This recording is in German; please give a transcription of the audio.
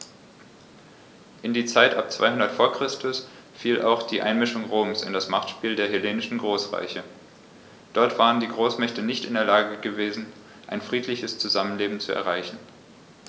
In die Zeit ab 200 v. Chr. fiel auch die Einmischung Roms in das Machtspiel der hellenistischen Großreiche: Dort waren die Großmächte nicht in der Lage gewesen, ein friedliches Zusammenleben zu erreichen.